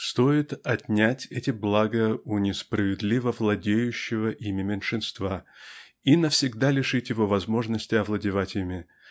Стоит отнять эти блага у несправедливо владеющего ими меньшинства и навсегда лишить его возможности овладевать ими